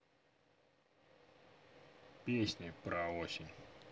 песни про осень